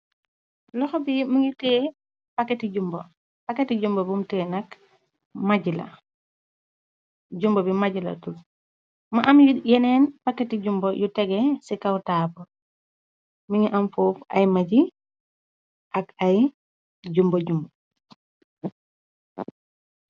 Loxo bi mingi tee pakati jumba, pakati jumba bum teey nak maji la ,jumbo bi maji la tudu, më am yu yeneen pakati jumba yu tege ci kawtaabul mi ngi am foof ay maji ak ay jumbo jumbo.